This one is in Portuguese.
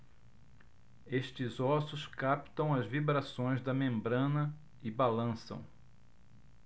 estes ossos captam as vibrações da membrana e balançam